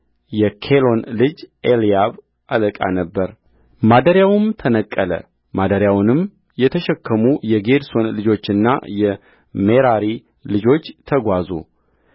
የኬሎን ልጅ ኤልያብ አለቃ ነበረማደሪያውም ተነቀለ ማደሪያውንም የተሸከሙ የጌድሶን ልጆችና የሜራሪ ልጆች ተጓዙ